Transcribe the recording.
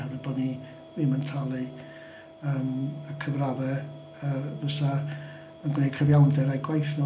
Oherwydd bod ni ddim yn talu yym y cyfraddau yy fysa yn gwneud cyfiawnder â'u gwaith nhw.